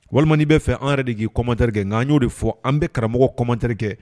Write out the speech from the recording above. Walimai bɛ fɛ an yɛrɛ de k'i commate terikɛkɛ nkaan y'o de fɔ an bɛ karamɔgɔ kɔmate terikɛkɛ